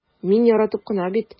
Мин яратып кына бит...